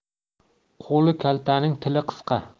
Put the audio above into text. qo'li kaltaning tili qisqa